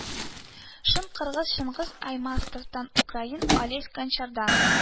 Шын кыргыз чыңгыз айтматовтан, украин олесь гончардан,